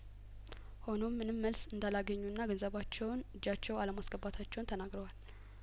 ሆኖም ምንም መልስ እንዳላ ገኙና ገንዘባቸውን እጃቸው አለማስገባታቸውን ተናግ ርዋል